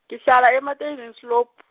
ngihlala e- Matyzensloop.